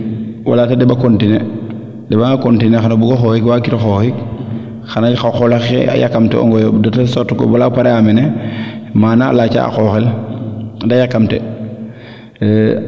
wala te demba continuer xana bugo xooyit waag kiro xoyit xana xa qola xe yakamti ongo yo te telle sorte que bala o pare a mene mana a laaca a xoxel ande a yakamti